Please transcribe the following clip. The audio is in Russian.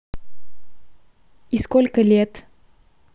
и сколько лет